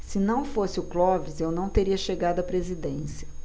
se não fosse o clóvis eu não teria chegado à presidência